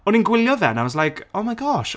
O'n i'n gwylio fe and I was like "oh my gosh"